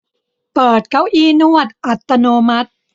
เปิดเก้าอี้นวดอัตโนมัติ